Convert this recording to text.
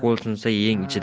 qo'l sinsa yeng ichida